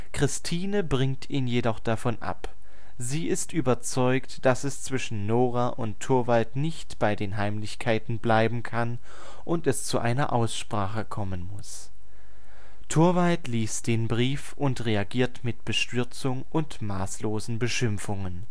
Christine bringt ihn jedoch davon ab: Sie ist überzeugt, dass es zwischen Nora und Torvald nicht bei den Heimlichkeiten bleiben kann und es zu einer Aussprache kommen muss. Torvald liest den Brief und reagiert mit Bestürzung und maßlosen Beschimpfungen